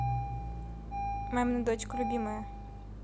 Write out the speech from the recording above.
мамина дочка любимая